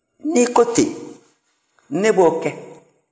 n'i ko ten n bɛ o kɛ